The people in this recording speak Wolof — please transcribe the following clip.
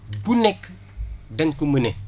ku nekk dañ ko mené